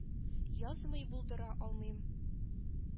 Язмый булдыра алмыйм.